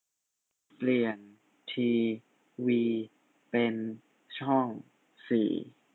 เปลี่ยนทีวีเป็นช่องสี่